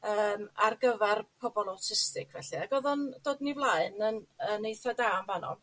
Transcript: Yym ar gyfar pobol awtistig felly ag odd o'n dod yn 'i flaen yn yn eitha da yn fanno